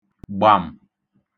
Gbam!